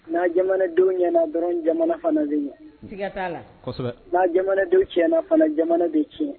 N'a jamanadenw ɲɛna dɔrɔn jamana fana bɛ ɲɛ siga t'a la kɔsɛbɛ na jamanadenw tiɲɛna fana jamana be tiɲɛ